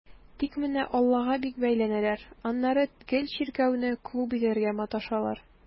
Тик менә аллага бик бәйләнәләр, аннары гел чиркәүне клуб итәргә маташалар.